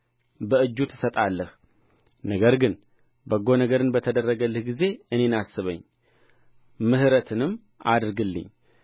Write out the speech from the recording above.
በእጁ ትሰጣለህ ነገር ግን በጎ ነገር በተደረገልህ ጊዜ እኔን አስበኝ ምሕረትንም አድርግልኝ